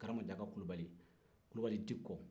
karanbajakakulubali kulubali dikɔ